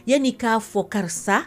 Yani'i k'a fɔ karisa!